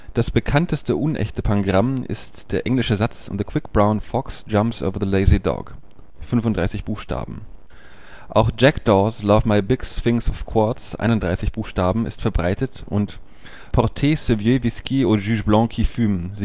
Das bekannteste unechte Pangramm ist der englische Satz The quick brown fox jumps over the lazy dog (35 Buchstaben). Auch Jackdaws love my big Sphinx of Quartz (31 Buchstaben) ist verbreitet und Portez ce vieux whisky au juge blond qui fume. (37